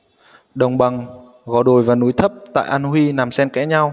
đồng bằng gò đồi và núi thấp tại an huy nằm xen kẽ nhau